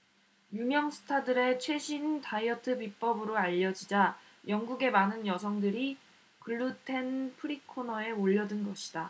유명 스타들의 최신 다이어트 비법으로 알려지자 영국의 많은 여성들이 글루텐 프리 코너에 몰려든 것이다